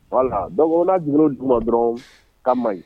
Wala don duuru dumanuma dɔrɔn ka man ɲi